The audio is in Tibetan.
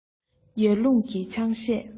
ཡར ཀླུང གིས ཆང གཞས